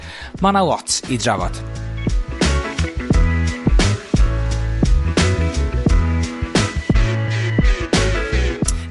ma' 'na lot i drafod.